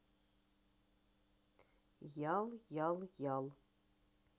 ял ял ял